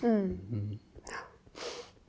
ja ja.